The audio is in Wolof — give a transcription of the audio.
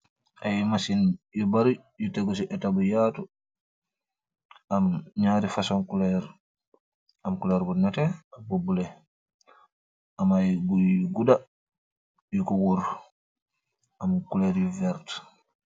Ay masin yu baru yu tegu ci eta bu yaatu, am ñaari fason culer, am culer bu nete ak bu bule, am ay guy yu guda yu ko wuur am culer yu verte